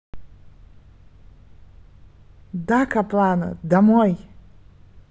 да каплана домой